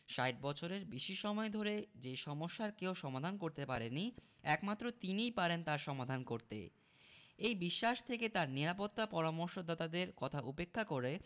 ৬০ বছরের বেশি সময় ধরে যে সমস্যার কেউ সমাধান করতে পারেনি একমাত্র তিনিই পারেন তার সমাধান করতে এই বিশ্বাস থেকে তাঁর নিরাপত্তা পরামর্শদাতাদের কথা উপেক্ষা করে